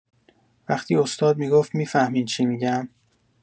وقتی استاد می‌گفت می‌فهمین چی می‌گم